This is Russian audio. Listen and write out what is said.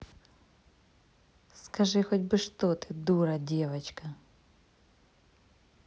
скажи хоть бы что ты дура девочка